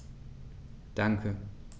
Danke.